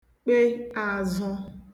kpe àzụ